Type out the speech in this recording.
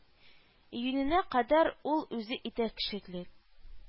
Июненә кадәр ул үзе итәкчеклек